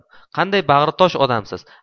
qanday bag'ritosh odamsiz